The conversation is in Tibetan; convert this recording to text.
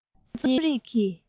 ཁྱོད ཉིད རྩོམ རིག གི